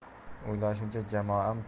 o'ylashimcha jamoam